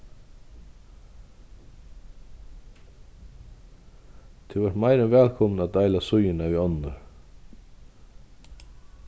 tú ert meira enn vælkomin at deila síðuna við onnur